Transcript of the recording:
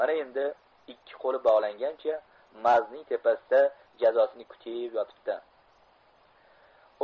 mana endi ikki qo'li bogiangancha maz ning tepasida jazosini kutib yotibdi